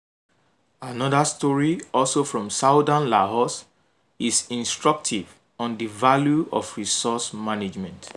Another story also from southern Laos is instructive on the value of resource management: